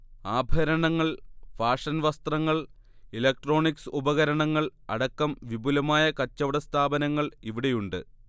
ആഭരണങ്ങൾ, ഫാഷൻ വസ്ത്രങ്ങൾ, ഇലക്ട്രോണിക്സ് ഉപകരണങ്ങൾ, അടക്കം വിപുലമായ കച്ചവട സ്ഥാപനങ്ങൾ ഇവിടെയുണ്ട്